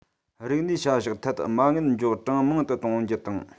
རིག གནས བྱ བཞག ཐད མ དངུལ འཇོག གྲངས མང དུ གཏོང རྒྱུ དང